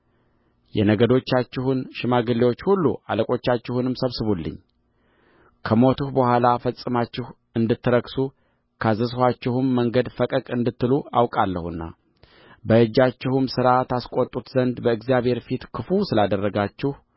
የነገዶቻችሁን ሽማግሌዎች ሁሉ አለቆቻችሁንም ሰብስቡልኝ ከሞትሁ በኋላ ፈጽማችሁ እንድትረክሱ ካዘዝኋችሁም መንገድ ፈቀቅ እንድትሉ አውቃለሁና በእጃችሁም ሥራ ታስቈጡት ዘንድ በእግዚአብሔር ፊት ክፉ ስላደረጋችሁ